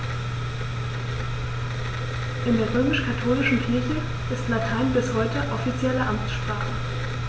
In der römisch-katholischen Kirche ist Latein bis heute offizielle Amtssprache.